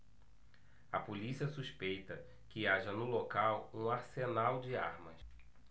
a polícia suspeita que haja no local um arsenal de armas